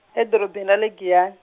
edorobeni ra le Giyan-.